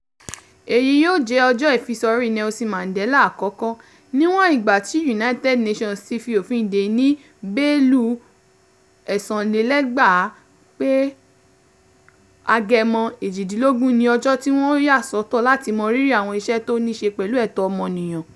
Èyí yòó jẹ́ ọjọ́ ìfisọrí Nelson Mandela àkọ́kọ́, níwọ̀n ìgbà tí United Nations ti fi ofìn dèé ní November 2009 pé July 18 ni ọjọ́ tí wọ́n ya sọ́tọ̀ láti mọ rírì àwọn iṣẹ́ tó níi ṣe pẹ̀lú ẹ̀tọ́ ọmọniyàn.